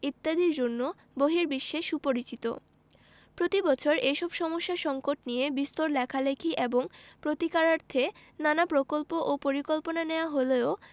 ইত্যাদির জন্য বহির্বিশ্বে সুপরিচিত প্রতিবছর এসব সমস্যা সঙ্কট নিয়ে বিস্তর লেখালেখি এবং প্রতিকারার্থে নানা প্রকল্প ও পরিকল্পনা নেয়া হলেও